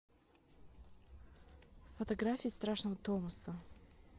фотографии страшного томаса